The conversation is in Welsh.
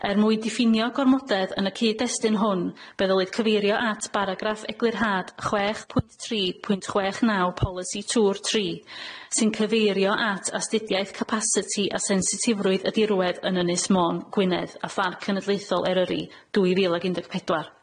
Er mwyn diffinio gormodedd yn y cyd-destyn hwn fe ddylid cyfeirio at baragraff e chwech pwynt tri pwynt chwech naw polisi twr tri sy'n cyfeirio at astudiaeth capasiti a sensitifrwydd y dirwedd yn Ynys Mon Gwynedd a Pharc Cenedlaethol Eryri dwy fil ag un deg pedwar.